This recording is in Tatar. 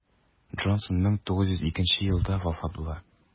Джонсон 1902 елда вафат була.